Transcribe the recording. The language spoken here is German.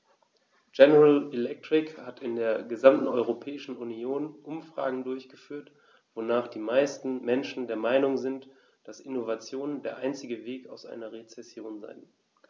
General Electric hat in der gesamten Europäischen Union Umfragen durchgeführt, wonach die meisten Menschen der Meinung sind, dass Innovation der einzige Weg aus einer Rezession ist.